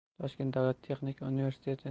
toshkent davlat texnika universitetining